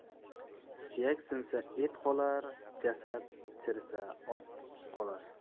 suyak sinsa et qolar jasad chirisa ot qolar